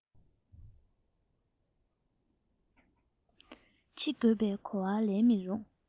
འཆི དགོས པའི གོ བ ལེན མི རུང